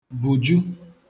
bùju